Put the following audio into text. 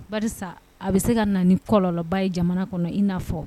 Ba a bɛ se ka na kɔlɔnlɔba ye jamana kɔnɔ i n'a fɔ